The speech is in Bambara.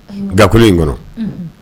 Gakolon in kɔnɔ